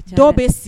N bɛ sigi